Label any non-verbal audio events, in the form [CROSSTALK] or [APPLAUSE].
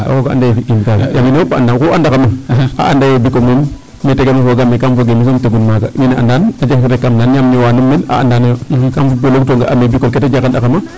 Roog a anda yee fi'kiim kaaga yaam wiin we fop anda xam xu andaxama anda yee Bicole moom me teganuma kam fooge mie soom tegun maaga wiin we andaan [UNINTELLIGIBLE] yaa ñoowanum meen a andanooyo kam footbal oogu tu ga'a Bicol ke ta jaranaxama.